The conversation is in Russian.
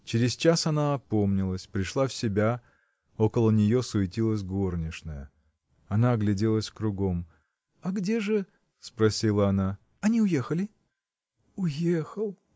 Через час она опомнилась, пришла в себя. Около нее суетилась горничная. Она огляделась кругом. А где же?. – спросила она. – Они уехали! – Уехал!